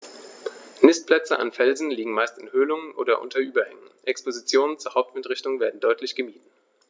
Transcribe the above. Nistplätze an Felsen liegen meist in Höhlungen oder unter Überhängen, Expositionen zur Hauptwindrichtung werden deutlich gemieden.